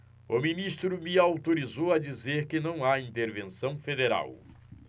o ministro me autorizou a dizer que não há intervenção federal